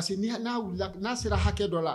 Parce que n na n'a sera hakɛ dɔ la